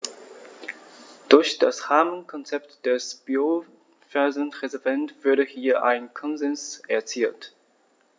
Durch das Rahmenkonzept des Biosphärenreservates wurde hier ein Konsens erzielt.